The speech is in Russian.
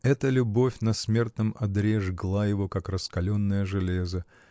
Эта любовь на смертном одре жгла его, как раскаленное железо